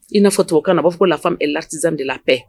I n'a fɔ to kana na b'a fɔ lame lasiz de la